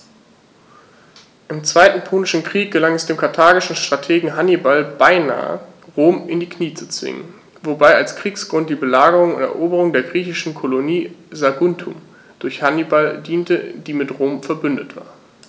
Im Zweiten Punischen Krieg gelang es dem karthagischen Strategen Hannibal beinahe, Rom in die Knie zu zwingen, wobei als Kriegsgrund die Belagerung und Eroberung der griechischen Kolonie Saguntum durch Hannibal diente, die mit Rom „verbündet“ war.